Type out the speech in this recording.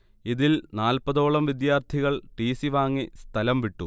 ഇതിൽ നാല്പതോളം വിദ്യാർത്ഥികൾ ടി സി വാങ്ങി സ്ഥലം വിട്ടു